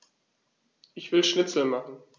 Ich will Schnitzel machen.